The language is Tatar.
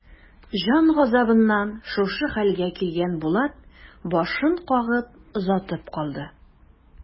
Җан газабыннан шушы хәлгә килгән Булат башын кагып озатып калды.